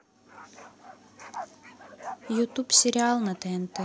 ютуб сериал на тнт